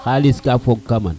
xalis ka fog kama ne